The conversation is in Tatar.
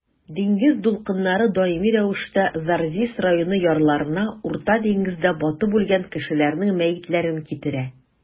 Диңгез дулкыннары даими рәвештә Зарзис районы ярларына Урта диңгездә батып үлгән кешеләрнең мәетләрен китерә.